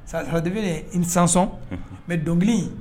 une chanson unhun mais dɔnkili in